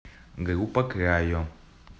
группа крайо